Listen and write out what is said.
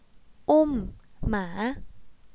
อุ้มหมา